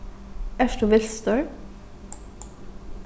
ert tú vilstur